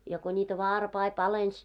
ja kun niitä varpaita palelsi